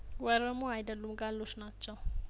ወረሞ አይደሉም ጋሎች ናቸው